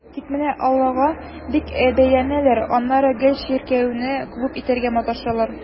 Тик менә аллага бик бәйләнәләр, аннары гел чиркәүне клуб итәргә маташалар.